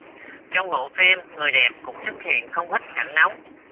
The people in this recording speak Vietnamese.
trong bộ phim người đẹp cũng xuất hiện không ít cảnh nóng